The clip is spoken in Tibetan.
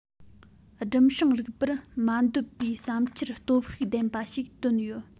སྦྲུམ སྲིང རིག པར མ འདོད པའི བསམ འཆར སྟོབས ཤུགས ལྡན པ ཞིག བཏོན ཡོད